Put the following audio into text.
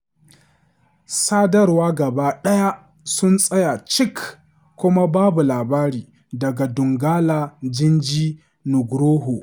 Sadarwa “gaba ɗaya sun tsaya cik kuma babu labari” daga Donggala, jinji Nugroho.